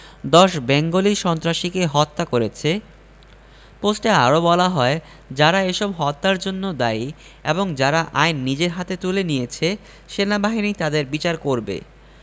১০ Bengali সন্ত্রাসীকে হত্যা করেছে পোস্টে আরো বলা হয় যারা এসব হত্যার জন্য দায়ী এবং যারা আইন নিজের হাতে তুলে নিয়েছে সেনাবাহিনী তাদের বিচার করবে